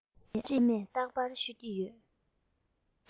ཅེས ཨ མས རྟག པར ཤོད ཀྱི ཡོད